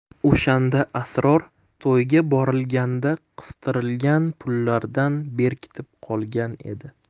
o'shanda asror to'yga borilganda qistirilgan pullardan berkitib qolgan edi